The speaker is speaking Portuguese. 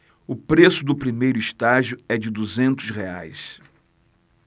o preço do primeiro estágio é de duzentos reais